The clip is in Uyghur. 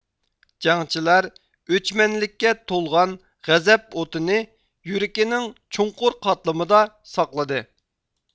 جەڭچىلەر ئۆچمەنلىككە تولغان غەزەپ ئوتىنى يۈرىكىنىڭ چوڭقۇر قاتلىمىدا ساقلىدى